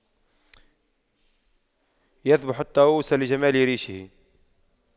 يذبح الطاووس لجمال ريشه